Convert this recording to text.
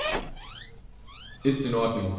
Ist in Ordnung.